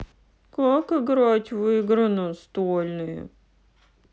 как играть в игры настольные